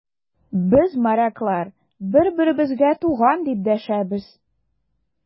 Без, моряклар, бер-беребезгә туган, дип дәшәбез.